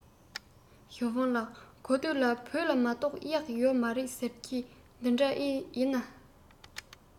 ཞའོ ཧྥུང ལགས གོ ཐོས ལ བོད ལ མ གཏོགས གཡག ཡོད མ རེད ཟེར གྱིས དེ འདྲ ཡིན ན